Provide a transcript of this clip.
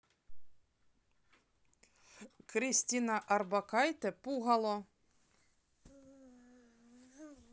кристина орбакайте пугало